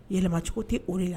Yɛlɛmacogo tɛ o de la